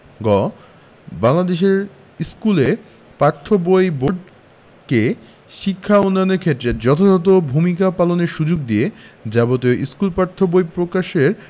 গ বাংলাদেশের স্কুলে পাঠ্য বই বোর্ডকে শিক্ষা উন্নয়নের ক্ষেত্রে যথাযথ ভূমিকা পালনের সুযোগ দিয়ে যাবতীয় স্কুল পাঠ্য বই প্রকাশের